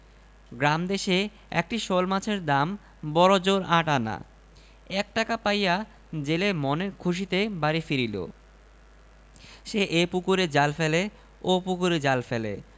তুই কি ভাবিয়াছি আমি তোর আট কলাকে ডরাই বহুক্ষণ বউকে মারিয়া রহিম মাঠের কাজ করিতে বাহির হইয়া গেল অনেকক্ষণ কাঁদিয়া কাঁদিয়া বউ মনে মনে একটি মতলব আঁটিল